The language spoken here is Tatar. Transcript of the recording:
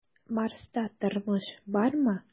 "марста тормыш бармы?"